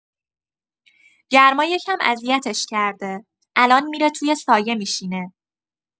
گرما یکم اذیتش کرده، الان می‌ره توی سایه می‌شینه.